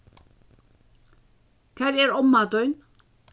hvar er omma tín